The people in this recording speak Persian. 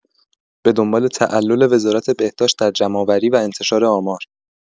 به دنبال تعلل وزارت بهداشت در جمع‌آوری و انتشار آمار